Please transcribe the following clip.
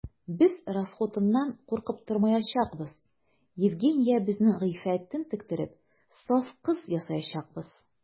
Без расхутыннан куркып тормаячакбыз: Евгениябезнең гыйффәтен тектереп, саф кыз ясаячакбыз.